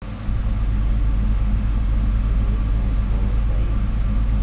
удивительное слово твоим